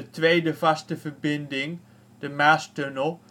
tweede vaste verbinding, de Maastunnel